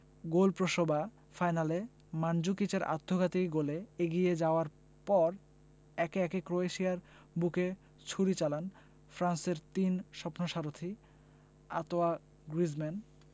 গোলপ্রসবা ফাইনালে মানজুকিচের আত্মঘাতী গোলে এগিয়ে যাওয়ার পর একে একে ক্রোয়েশিয়ার বুকে ছুরি চালান ফ্রান্সের তিন স্বপ্নসারথি আঁতোয়া গ্রিজমান